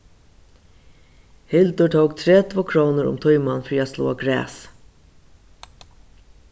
hildur tók tretivu krónur um tíman fyri at sláa gras